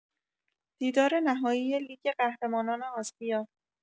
دیدار نهایی لیگ قهرمانان آسیا